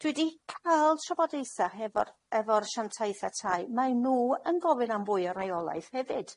Dwi 'di ca'l trafodaethe hefo'r efo'r asiantaethe. Mae nw yn gofyn am fwy o reolaeth hefyd.